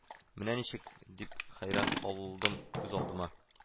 Менә ничек, дип хәйран калдым үзалдыма